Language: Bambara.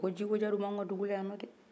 ko jikoja dun bɛ anw ka dugu la yan nɔ dɛɛ